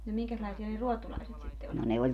no minkäslaisia ne ruotulaiset sitten olivat